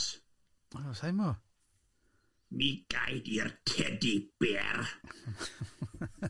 O sai'm o? Mi gai di'r tedi bêr.